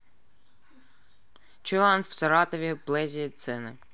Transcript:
чайлэнд в саратове в плазе цены